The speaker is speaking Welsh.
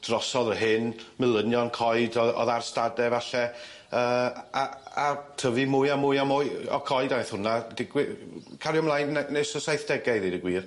drosodd yr hen melynion coed o'dd o'dd ar stade falle yy a a tyfu mwy a mwy a mwy o coed a aeth hwnna digwy- cario mlaen ne- nes y saithdege i ddeud y gwir.